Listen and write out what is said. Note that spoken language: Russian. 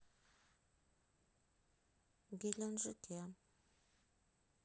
геленджике